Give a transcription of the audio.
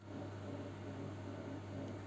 не ну в принципе да блять это очень сложно сказать